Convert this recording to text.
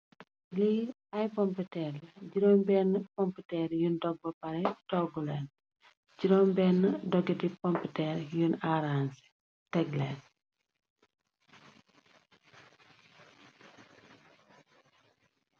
Lii ak pompeter la, jurom bene pompeter yunj dog ba pare, toggu len, njurom bene dogit ti pompeter yunj aranjse teklen,